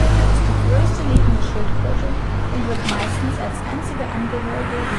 ist die größte lebende Schildkröte und wird meistens als einzige Angehörige